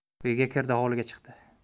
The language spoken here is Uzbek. uyga kirdi hovliga chiqdi